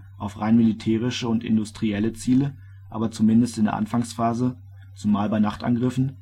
rein militärische und industrielle Ziele aber zumindest in der Anfangsphase - zumal bei Nachtangriffen